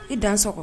I dan so kɔnɔ